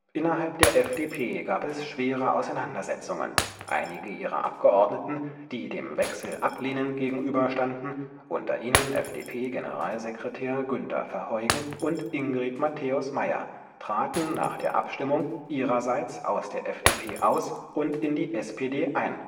Innerhalb der FDP gab es schwere Auseinandersetzungen, einige ihrer Abgeordneten, die dem Wechsel ablehnend gegenüber standen, unter ihnen FDP-Generalsekretär Günter Verheugen und Ingrid Matthäus-Maier, traten nach der Abstimmung ihrerseits aus der FDP aus und in die SPD ein